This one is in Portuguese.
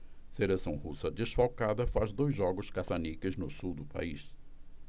seleção russa desfalcada faz dois jogos caça-níqueis no sul do país